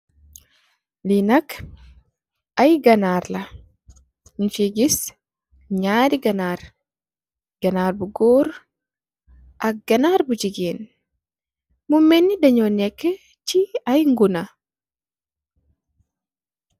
Li nak ay ganarr la, ñung fii gis ñaari ganarr, ganarr bu gór ak ganarr bu gigeen. Mumel ni dajo nekka ci ay ngoneh.